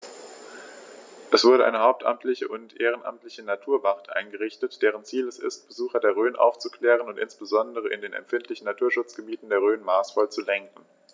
Es wurde eine hauptamtliche und ehrenamtliche Naturwacht eingerichtet, deren Ziel es ist, Besucher der Rhön aufzuklären und insbesondere in den empfindlichen Naturschutzgebieten der Rhön maßvoll zu lenken.